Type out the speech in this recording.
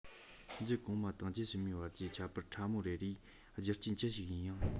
རྒྱུད གོང མ དང རྒྱུད ཕྱི མའི བར གྱི ཁྱད པར ཕྲ མོ རེ རེའི རྒྱུ རྐྱེན ཅི ཞིག ཡིན ཡང